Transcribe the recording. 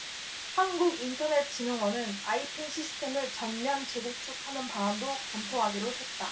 한국인터넷진흥원은 아이핀 시스템을 전면 재구축하는 방안도 검토하기로 했다